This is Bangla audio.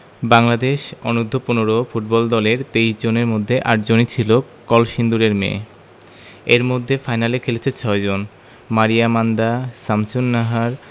বাংলাদেশ অনূর্ধ্ব ১৫ ফুটবল দলের ২৩ জনের মধ্যে ৮ জনই ছিল কলসিন্দুরের মেয়ে এর মধ্যে ফাইনালে খেলেছে ৬ জন মারিয়া মান্দা শামসুন্নাহার